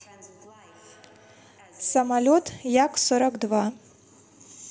самолет як сорок два